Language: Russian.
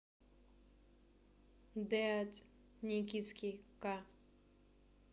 dead никитский ка